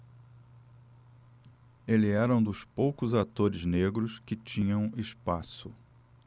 ele era um dos poucos atores negros que tinham espaço